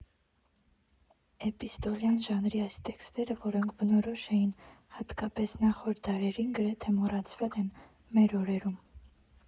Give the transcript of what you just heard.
Էպիստոլյար ժանրի այս տեքստերը, որոնք բնորոշ էին հատկապես նախորդ դարերին, գրեթե մոռացվել են մեր օրերում։